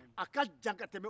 o don kama a ka jan ka tɛmɛ